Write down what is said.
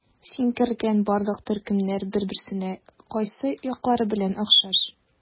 Син кергән барлык төркемнәр бер-берсенә кайсы яклары белән охшаш?